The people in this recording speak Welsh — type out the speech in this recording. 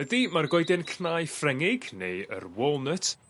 Ydi ma'r goedyn cnau Ffrengig neu yr wallnut